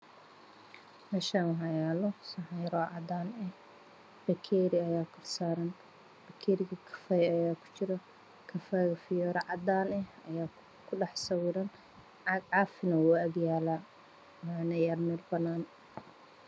Meshan waxaa yalo saxan yaroo cadan ah bakeeri ayaa korsaran kefay ayaa ku jira kafeyga fiyoro cadan eh ayaa ku dhex sawiran caag cafiyana wuu ag yala wuxuna yaala meel banaan